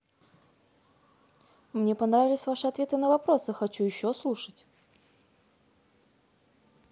мне понравилось ваши ответы на вопросы хочу еще слушать